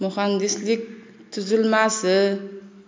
muhandislik tuzilmasi